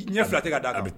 I ɲɛ fila tɛ ka d'a kan